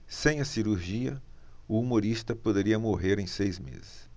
sem a cirurgia humorista poderia morrer em seis meses